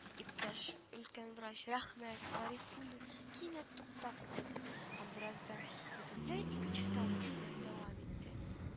Иптәш өлкән врач, рәхмәт! — гарифуллин кинәт туктап калды һәм бераздан бөтенләй икенче тавыш белән дәвам итте: